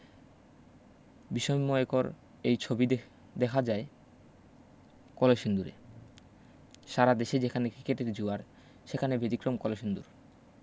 বিসময়কর এই ছবি দেখা যায় কলসিন্দুরে সারা দেশে যেখানে কিকেটের জুয়ার সেখানে ব্যতিক্রম কলসিন্দুর